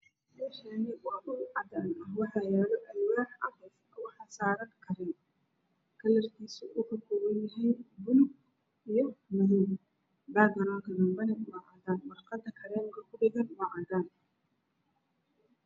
Meeshaan waa dhul cad waxaa yaalo alwaax cad waxaa saaran kareem kalarkiisu waa buluug iyo madow. Baagaroonka dambe waa cadaan warqada kareemka kudhagan waa cadaan.